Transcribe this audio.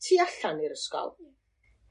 tu allan i'r ysgol?